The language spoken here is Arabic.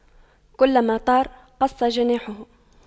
كلما طار قص جناحه